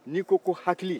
n'i ko ko hakili